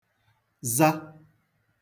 za